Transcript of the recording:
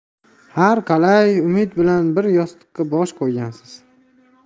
har qalay umid bilan bir yostiqqa bosh qo'ygansiz